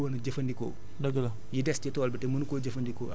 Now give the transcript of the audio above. donc li nga xamante ni gàncax gi mënu ko woon a jëfandikoo